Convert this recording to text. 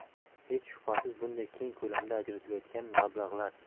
hech shubhasiz bunday keng ko'lamda ajratilayotgan mablag'lar